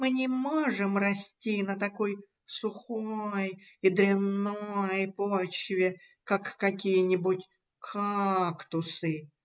– Мы не можем расти на такой сухой и дрянной почве, как какие-нибудь кактусы.